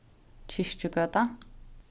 kirkjugøta